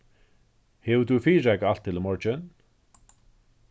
hevur tú fyrireikað alt til í morgin